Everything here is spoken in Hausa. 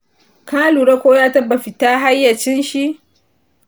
ka lura ko ya taba fita hayyacin shi?